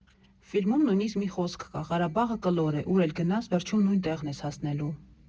Ֆիլմում նույնիսկ մի խոսք կա՝ «Ղարաբաղը կլոր է, ուր էլ գնաս, վերջում նույն տեղն ես հասնելու»։